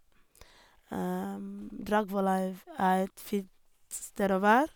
Dragvoll eif er et fint sted å være.